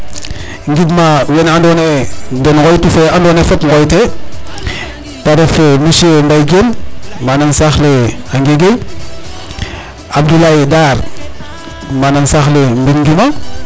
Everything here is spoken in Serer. Ngidma wene andoona yee den nqooytu fo we andoona yee fop nqooytee ta ref Monsieur Mbaye Diene manaan saax le a ngegej Abdoulaye Dar manaan saax le mbind Njuma .